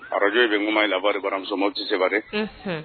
Arajo ye bɛ kuma in la bara musomanw tɛ se dɛ